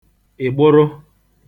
ị̀gbụrụ